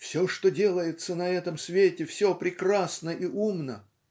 "Все, что делается на этом свете, все прекрасно и умно".